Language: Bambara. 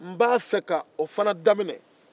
n b'a fɛ k'a fana daminɛ